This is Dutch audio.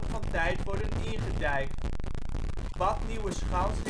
van tijd worden ingedijkt. Bad Nieuweschans